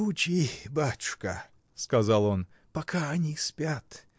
— Учи, батюшка, — сказал он, — пока они спят.